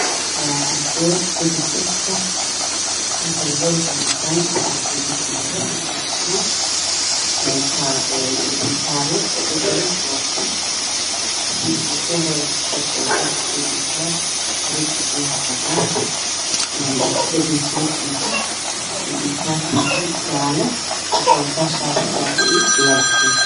Waa arday ku jiro saf dugsi dhexe dhigto waxaa qoorta ugu jiro kaarar waxa ay xiran yihiin dhar cagaar ah